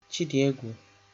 Chidiegwu